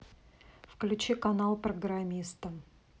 включи канал программиста